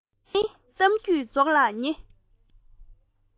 ད ནི གཏམ རྒྱུད རྫོགས ལ ཉེ